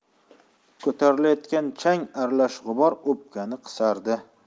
ko'tarilayotgan chang aralash g'ubor o'pkani qisardi